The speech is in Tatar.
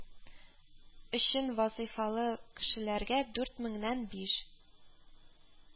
Өчен вазыйфалы кешеләргә дүрт меңнән биш